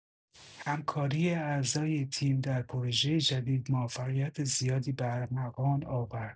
همکاری اعضای تیم در پروژه جدید، موفقیت زیادی به ارمغان آورد.